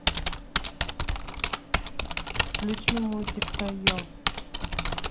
включи мультик тайо